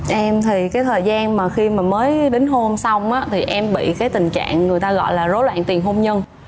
em thì cái thời gian mà khi mà mới đính hôn xong á thì em bị cái tình trạng người ta gọi là rối loạn tiền hôn nhân